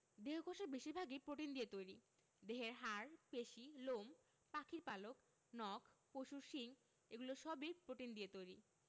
দেহকোষের বেশির ভাগই প্রোটিন দিয়ে তৈরি দেহের হাড় পেশি লোম পাখির পালক নখ পশুর শিং এগুলো সবই প্রোটিন দিয়ে তৈরি